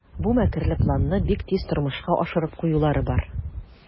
Бу мәкерле планны бик тиз тормышка ашырып куюлары бар.